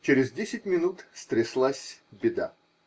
Через десять минут стряслась беда.